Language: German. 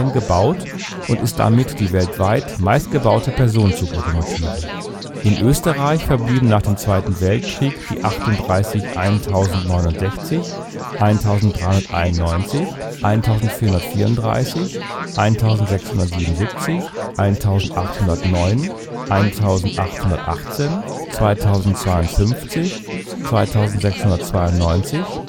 gebaut und ist damit die weltweit meistgebaute Personenzuglokomotive. In Österreich verblieben nach dem Zweiten Weltkrieg die 38 1069, 1391, 1434, 1677, 1809, 1818, 2052, 2692